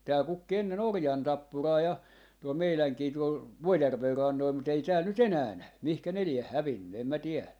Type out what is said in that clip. täällä kukki ennen orjantappuraa ja tuolla meidänkin tuolla Vuojärven rannoilla mutta ei täällä nyt enää näy mihin ne lie hävinnyt en minä tiedä